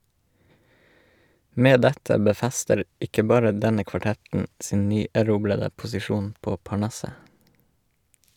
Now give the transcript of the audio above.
Med dette befester ikke bare denne kvartetten sin nyerobrede posisjon på parnasset.